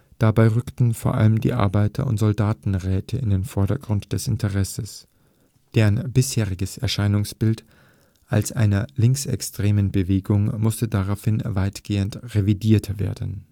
Dabei rückten vor allem die Arbeiter - und Soldatenräte in den Vordergrund des Interesses. Deren bisheriges Erscheinungsbild als einer linksextremen Bewegung musste daraufhin weitgehend revidiert werden